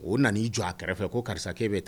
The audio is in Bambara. O nan'i jɔ a kɛrɛfɛ ko karisa k'e bɛ ta